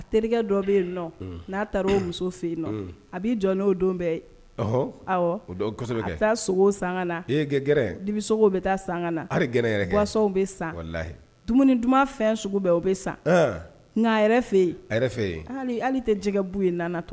A terikɛ dɔ bɛ yen nɔn n'a taara'o muso fɛ yen nɔ a b'i jɔ n'o don bɛɛ taa sogo san gɛrɛ dibi bɛ taa san gɛrɛ gansaw bɛ san dumuni duman fɛn sugu bɛ o bɛ san nka yɛrɛ fɛ yen fɛ hali hali tɛ jɛgɛgɛbu ye tɔ